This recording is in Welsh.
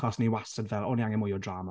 achos ni wastad fel, "o, ni angen mwy o drama."